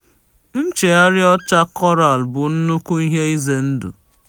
Nchagharị ọcha Koraalụ bụ nnukwu ihe ize ndụ.